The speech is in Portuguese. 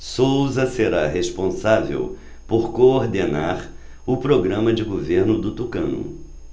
souza será responsável por coordenar o programa de governo do tucano